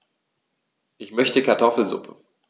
Ich möchte Kartoffelsuppe.